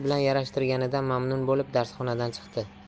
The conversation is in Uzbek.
bilan yarashtirganidan mamnun bo'lib darsxonadan chiqdi